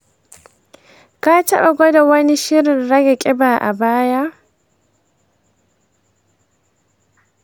ka taba gwada wani shirin rage kiba a baya?